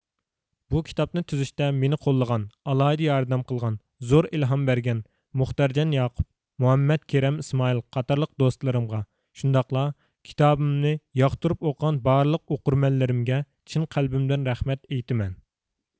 بۇ كىتابنى تۈزۈشتە مېنى قوللىغان ئالاھىدە ياردەم قىلغان زور ئىلھام بەرگەن مۇختەرجان ياقۇپ مۇھەممەد كېرەم ئىسمائىل قاتارلىق دوستلىرىمغا شۇنداقلا كىتابىمنى ياقتۇرۇپ ئوقۇغان بارلىق ئوقۇرمەنلىرىمگە چىن قەلبىمدىن رەھمەت ئېيتىمەن